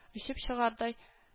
Очып чыгардай